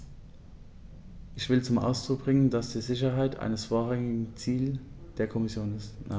Ich will zum Ausdruck bringen, dass die Sicherheit ein vorrangiges Ziel der Kommission ist.